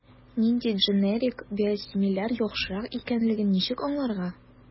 Нинди дженерик/биосимиляр яхшырак икәнлеген ничек аңларга?